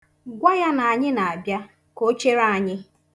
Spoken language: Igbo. Gwa ya na anyị na-abịa ka o chere anyị.